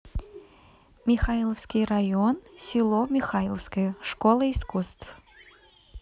михайловский район село михайловское школа искусств